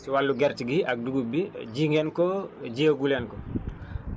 si wàllu gerte gi ak dugub bi ji ngeen ko jiyaguleen ko